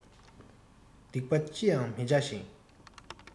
སྡིག པ ཅི ཡང མི བྱ ཞིང